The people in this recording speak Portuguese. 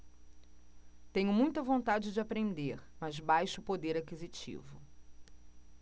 tenho muita vontade de aprender mas baixo poder aquisitivo